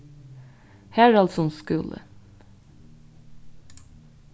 haraldssunds skúli